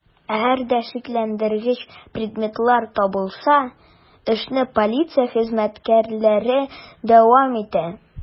Әгәр дә шикләндергеч предметлар табылса, эшне полиция хезмәткәрләре дәвам итә.